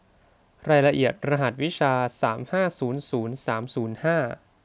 รายละเอียดรหัสวิชาสามห้าศูนย์ศูนย์สามศูนย์ห้า